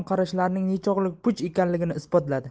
xom qarashlarning nechog'lik puch ekanligini isbotladi